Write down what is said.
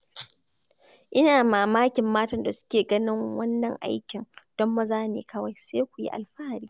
Ina mamakin matan da suke ganin wannan aikin don maza ne kawai, sai su yi alfahari.